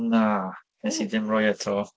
Na... W! ...wnes i ddim rhoi e 'to.